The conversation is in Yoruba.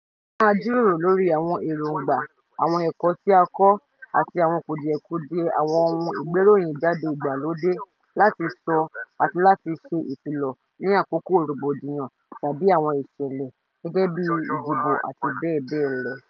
A máa jíròrò lórí àwọn èróńgbà, àwọn ẹ̀kọ́ tí a kọ́ àti àwọn kùdìẹ̀kudiẹ àwọn oun ìgbéròyìnjáde ìgbàlódé láti sọ àti láti ṣe ìkìlọ̀ ní àkókò rògbòdìyàn tàbí àwọn ìṣẹ̀lẹ̀ (gẹ́gẹ́ bíi ìdìbò àti bẹ́ẹ̀ bẹ́ẹ̀ lọ...).